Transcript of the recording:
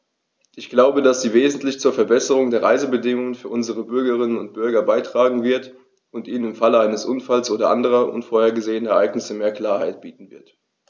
Ich glaube, dass sie wesentlich zur Verbesserung der Reisebedingungen für unsere Bürgerinnen und Bürger beitragen wird, und ihnen im Falle eines Unfalls oder anderer unvorhergesehener Ereignisse mehr rechtliche Klarheit bieten wird.